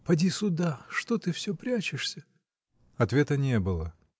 поди сюда, что ты всё прячешься? Ответа не было.